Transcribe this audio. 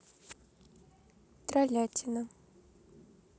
тролятина